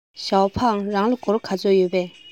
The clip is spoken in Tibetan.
ཞའོ ཧྥང རང ལ སྒོར ག ཚོད ཡོད པས